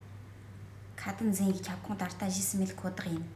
ཁ དན འཛིན ཡིག ཁྱབ ཁོངས ད ལྟ གཞིས སུ མེད ཁོ ཐག ཡིན